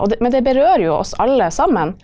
og det men det berører jo oss alle sammen.